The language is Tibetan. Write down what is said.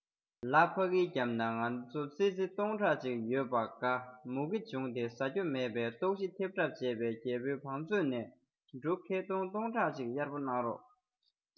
ལ ཕ གིའི རྒྱབ ན ང ཚོ ཙི ཙི སྟིང ཕྲག གཅིག ཡོད པ ག མུ གེ བྱུང སྟེ ཟ རྒྱུ མེད བས ལྟོགས ཤི ཐེབས གྲབས བྱེད པས རྒྱལ པོའི བང མཛོད ནས འབྲུ ཁལ སྟོང ཕྲག གཅིག གཡར པོ གནང རོགས